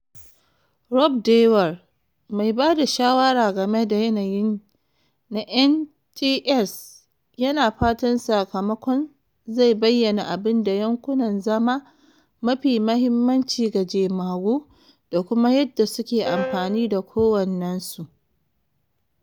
Rob Dewar, mai ba da shawara game da yanayin na NTS, yana fatan sakamakon zai bayyana abin da yankunan zama mafi muhimmanci ga jemagu da kuma yadda suke amfani da kowannensu.